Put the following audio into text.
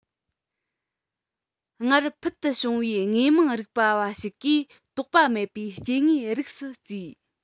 སྔར ཕུལ དུ བྱུང བའི དངོས མང རིགས པ བ ཞིག གིས དོགས པ མེད པའི སྐྱེ དངོས རིགས སུ བརྩིས